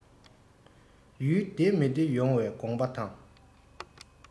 ཡུལ བདེ མི བདེ ཡོངས པའི དགོངས པ དང